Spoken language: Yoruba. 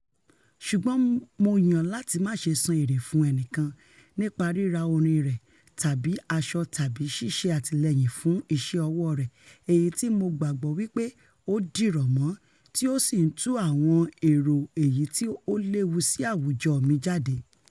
Ṣùgbọ́n Mo yàn LÁTI MÁṢE san èrè fún ẹnìkan (nípa ríra orin rẹ̀ tàbí asọ tàbí ṣíṣe àtìlẹ́yìn fún ''iṣẹ́ ọwọ́'' rẹ̀) èyití́ mo gbàgbọ́ wí pé o dìròmọ́ tí ó sì ńtu àwọn èrò èyití ó léwu sí àwùjọ mi jáde lẹ́nu.